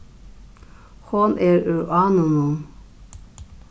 hon er úr ánunum